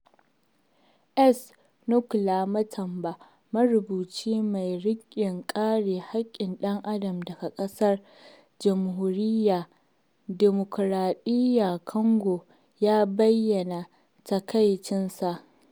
S, Nkola Matamba, marubuci mai rajin kare haƙƙin ɗan adam daga ƙasar Jamhuriyar Dimukraɗiyyar Kwango ya bayyana takaicinsa: